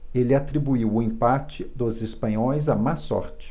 ele atribuiu o empate dos espanhóis à má sorte